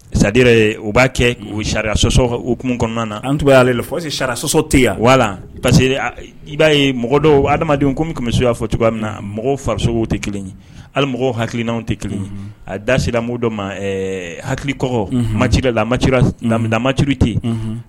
Sadira u b'a kɛ u sariya sɔsɔ oumu kɔnɔna na an tunba y'ale la fosi sariya sɔsɔ tɛ yan wala parce que i b'a ye mɔgɔ dɔw adamadenw kɔmi min tun bɛ se y'a fɔ tu cogoya min na mɔgɔ farikoloso tɛ kelen hali mɔgɔ hakiliinaw tɛ kelen a dasiramu dɔ ma hakili kɔ macida lama lammaurute